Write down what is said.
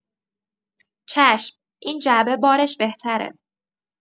چشم، این جعبه بارش بهتره.